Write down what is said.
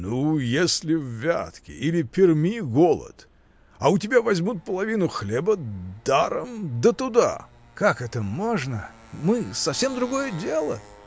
— Ну, если в Вятке или Перми голод, а у тебя возьмут половину хлеба даром, да туда?. — Как это можно! Мы — совсем другое дело.